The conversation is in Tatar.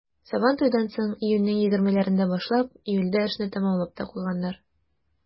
Сабантуйдан соң, июньнең егермеләрендә башлап, июльдә эшне тәмамлап та куйганнар.